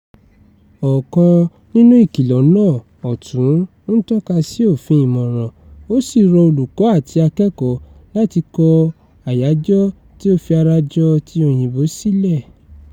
Ọ̀kan nínú ìkìlọ̀ náà (ọ̀tún) ń tọ́ka sí òfin "Ìmọ̀ràn" ó sì rọ olùkọ́ àti akẹ́kọ̀ọ́ láti kọ àyájọ́ tí ó fi ara jọ ti Òyìnbó sílẹ̀.